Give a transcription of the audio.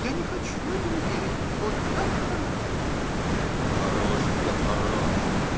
Я не хочу этому верить. Он так хорош. - Хорош-то хорош.